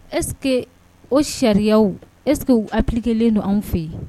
Es o sariyayaw essekew apiki kelen don anw fɛ yen